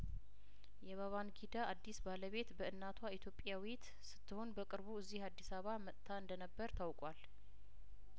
የባባንጊዳ አዲስ ባለቤት በእናትዋ ኢትዮጵያዊት ስትሆን በቅርቡ እዚህ አዲስአባ መጥታ እንደነበር ታውቋል